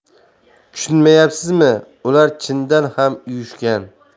tushunyapsizmi ular chindan ham uyushgan